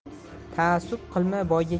taassub qilma boyga